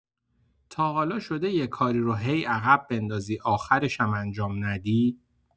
تا حالا شده یه کاری رو هی عقب بندازی آخرش هم انجام ندی؟